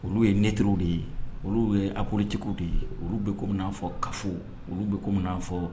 Olu ye netirirw de ye olu ye aptigiww de ye olu bɛ ko fɔ kafo olu bɛ ko fɔ